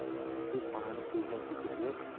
asadbek xonani ko'zdan kechirgach